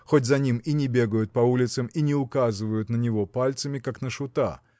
хоть за ним и не бегают по улицам и не указывают на него пальцами как на шута